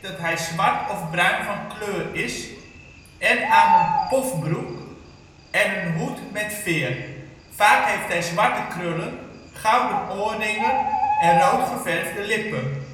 dat hij zwart of bruin van kleur is en aan een pofbroek en een hoed met veer. Vaak heeft hij zwarte krullen, gouden oorringen en rood geverfde lippen.